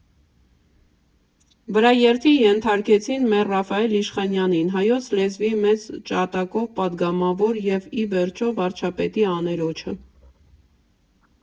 Վրաերթի ենթարկեցին մեր Ռաֆայել Իշխանյանին՝ հայոց լեզվի մեծ ջատագով, պատգամավոր և ի վերջո վարչապետի աներոջը։